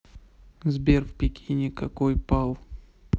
сбер в пекине какой пал